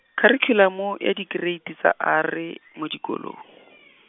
kharikhulamo ya dikereiti tsa R, mo dikolong.